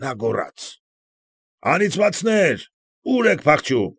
Նա գոռաց. ֊ Անիծվածնե՜ր, ո՞ւր եք փախչում։